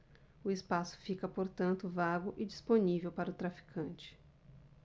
o espaço fica portanto vago e disponível para o traficante